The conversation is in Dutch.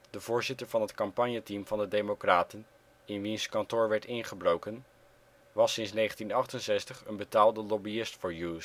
de voorzitter van het campagne-team van de Democraten in wiens kantoor werd ingebroken, was sinds 1968 een betaalde lobbyist voor Hughes. In 1972